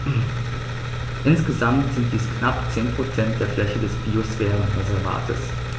Insgesamt sind dies knapp 10 % der Fläche des Biosphärenreservates.